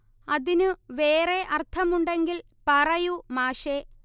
അതിനു വേറേ അർത്ഥം ഉണ്ടെങ്കിൽ പറയൂ മാഷേ